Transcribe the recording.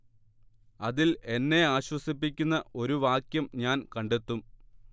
അതിൽ എന്നെ ആശ്വസിപ്പിക്കുന്ന ഒരു വാക്യം ഞാൻ കണ്ടെത്തും